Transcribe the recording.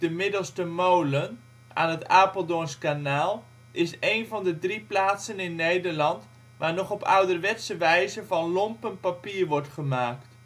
Middelste Molen aan het Apeldoorns kanaal is één van de drie plaatsen in Nederland waar nog op ouderwetse wijze van lompen papier wordt gemaakt